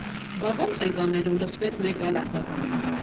Բա ո՞նց ենք անելու, ֊ լսվեց մեկ այլ արձագանք։